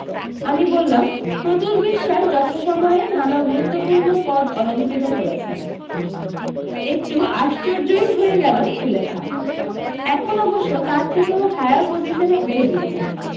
আমি বললাম প্রতুল বিশ্বাস যথাসময় নানা গুরুত্বপূর্ণ পদ অলংকৃত করেছেন একটু আশ্চর্য্যৈ হয়ে গেলো সুলেখা এখন অবশ্য তার থেকেও হায়ার পজিশনে উঠে গিয়েছেন